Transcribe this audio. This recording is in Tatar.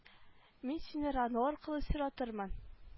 Мин сине роно аркылы соратырмын